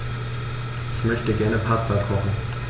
Ich möchte gerne Pasta kochen.